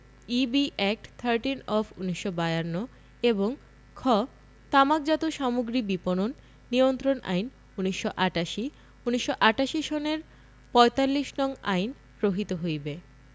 EB. Act thirteen of ১৯৫২ এবং খ তামাকজাত সামগ্রী বিপণন নিয়ন্ত্রণ আইন ১৯৮৮ ১৯৮৮ সনের ৪৫ নং আইন রহিত হইবে